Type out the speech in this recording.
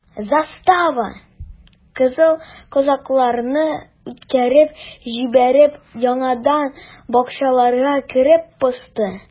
Застава, кызыл казакларны үткәреп җибәреп, яңадан бакчаларга кереп посты.